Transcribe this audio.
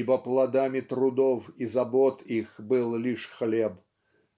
Ибо плодами трудов и забот их был лишь хлеб